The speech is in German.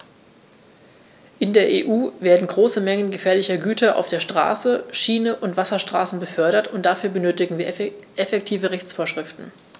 In der EU werden große Mengen gefährlicher Güter auf der Straße, Schiene und Wasserstraße befördert, und dafür benötigen wir effektive Rechtsvorschriften.